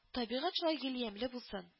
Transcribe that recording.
Табигать шулай гел ямьле булсын